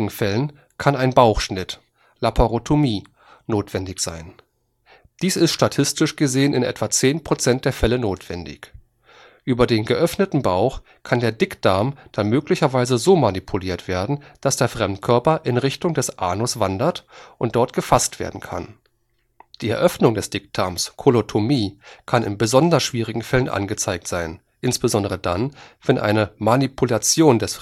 Fällen kann ein Bauchschnitt (Laparotomie) notwendig sein. Dies ist statistisch gesehen in etwa 10 Prozent der Fälle notwendig. Über den geöffneten Bauch kann der Dickdarm dann möglicherweise so manipuliert werden, dass der Fremdkörper in Richtung des Anus wandert und dort gefasst werden kann. Die Eröffnung des Dickdarms (Kolotomie) kann in besonders schwierigen Fällen angezeigt sein, insbesondere dann, wenn eine Manipulation des